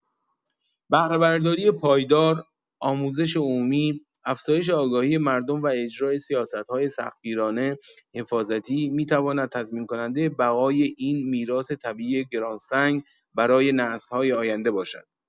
بهره‌برداری پایدار، آموزش عمومی، افزایش آگاهی مردم و اجرای سیاست‌های سختگیرانه حفاظتی می‌تواند تضمین‌کننده بقای این میراث طبیعی گران‌سنگ برای نسل‌های آینده باشد.